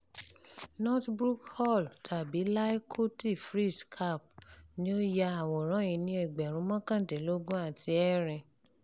Northbrook Hall tàbí Lal Kuthi – Fritz Kapp ni ó ya àwòrán yìí ní ọdún-un 1904.